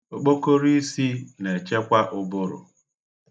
Okpokoroisi na-echekwa ụbụrụ.